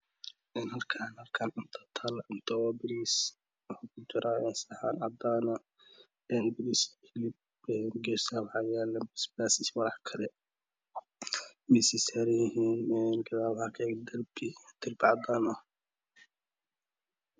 Een halkan waxa cunta talo cunto bariis daryah saxan cadan ah Een bariis hilib Een gesaha waxa yaalo bisbas iyo walaxkale miseysaranyihiin Een derbicadan ah